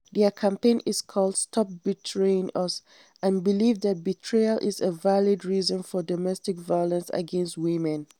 Their campaign is called "Stop Betraying Us" and believe that betrayal is a valid reason for domestic violence against women.